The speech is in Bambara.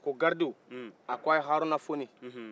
a ko gardiw a k'a ye haruna fɔɔni